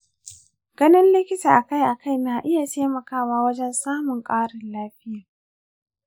ganin likita akai-akai na iya taimakawa wajan samun ƙarin lafiya.